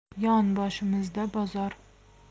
yonboshimizda bozor